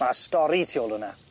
Ma' stori tu ôl wnna.